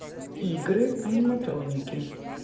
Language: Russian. игры аниматроники